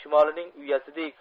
chumolining uyasidek